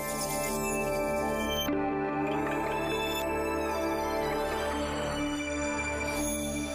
Wa